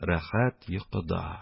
Рәхәт йокыда.